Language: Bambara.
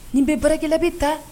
Nin bɛ barikakɛla bɛ ta